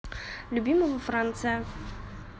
любимого франция